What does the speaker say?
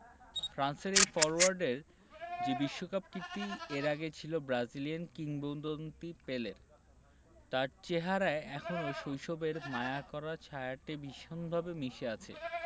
ফ্রান্সের এই ফরোয়ার্ডের যে বিশ্বকাপ কীর্তি এর আগে ছিল ব্রাজিলিয়ান কিংবদন্তি পেলের তাঁর চেহারায় এখনো শৈশবের মায়াকড়া ছায়াটি ভীষণভাবে মিশে আছে